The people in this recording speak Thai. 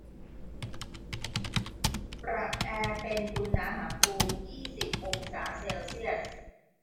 ปรับแอร์เป็นอุณหภูมิยี่สิบองศาเซลเซียส